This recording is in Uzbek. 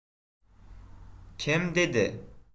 kim dedi